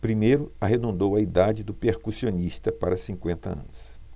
primeiro arredondou a idade do percussionista para cinquenta anos